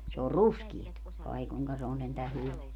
se on ruskeaa ai kuinka se on sentään hyvää